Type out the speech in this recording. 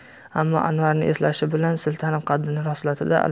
ammo anvarni eslashi bilan siltanib qaddini rostladi da